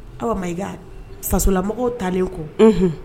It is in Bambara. Aw ma i ka fasolamɔgɔw talen kɔ